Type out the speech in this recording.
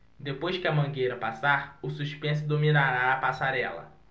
depois que a mangueira passar o suspense dominará a passarela